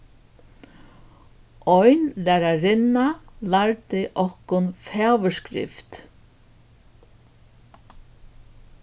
ein lærarinna lærdi okkum fagurskrift